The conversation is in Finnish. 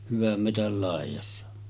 hyvän metsän laidassa